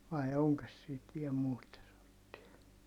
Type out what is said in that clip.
vai onkos siitä vielä muita semmoisia